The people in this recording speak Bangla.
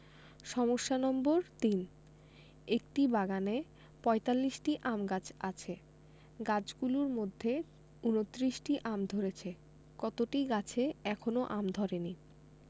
সমস্যা নম্বর ৩ একটি বাগানে ৪৫টি আম গাছ আছে গাছগুলোর মধ্যে ২৯টি আম ধরেছে কতটি গাছে এখনও আম ধরেনি